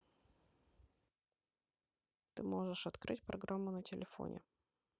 ты можешь открыть программу на телефоне